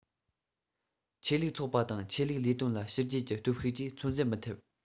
ཆོས ལུགས ཚོགས པ དང ཆོས ལུགས ལས དོན ལ ཕྱི རྒྱལ གྱི སྟོབས ཤུགས ཀྱིས ཚོད འཛིན མི ཐེབས